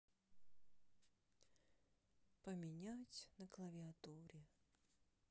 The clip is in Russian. поменять на клавиатуре